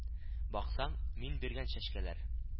Баксаң, мин биргән чәчкәләр